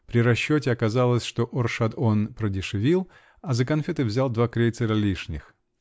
При расчете оказалось, что оршад он продешевил, а за конфекты взял два крейсера лишних.